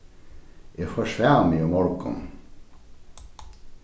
eg forsvav meg í morgun